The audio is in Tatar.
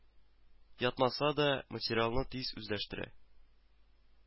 Ятмаса да, материалны тиз үзләштерә